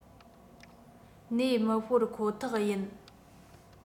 གནས མི སྤོར ཁོ ཐག ཡིན